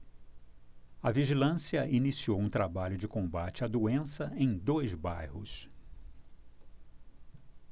a vigilância iniciou um trabalho de combate à doença em dois bairros